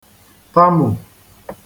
tamù